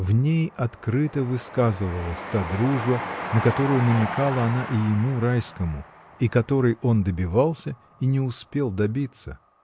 В ней открыто высказывалась та дружба, на которую намекала она и ему, Райскому, и которой он добивался и не успел добиться.